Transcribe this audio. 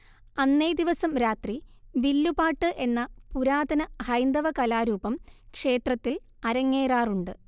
അന്നേദിവസം രാത്രി വില്ലുപാട്ട് എന്ന പുരാതന ഹൈന്ദവകലാരൂപം ക്ഷേത്രത്തിൽ അരങ്ങേറാറുണ്ട്